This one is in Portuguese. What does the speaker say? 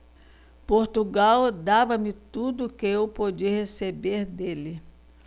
portugal dava-me tudo o que eu podia receber dele